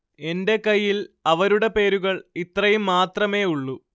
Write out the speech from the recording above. എന്റെ കയ്യില്‍ അവരുടെ പേരുകള്‍ ഇത്രയും മാത്രമേ ഉള്ളൂ